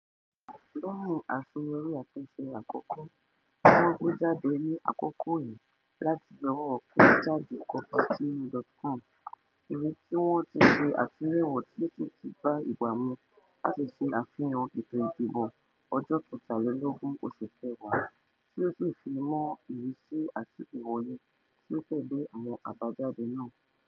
Lẹ́yìn àṣeyọrí àtúnṣe àkọ́kọ́, tí wọ́n gbé jáde ní àkókò yìí láti ọwọ́ quintadicopertina.com, ìwé tí wọ́n ti ṣe àtúnyẹ́wò tí ó sì ti bá ìgbà mú láti ṣe àfihàn ètò ìdìbò ọjọ́ kẹtàlélógún oṣù kẹwàá, tí ó fi mọ́ ìrísí àti ìwòye tí ó tẹ́lẹ̀ àwọn àbájáde náà.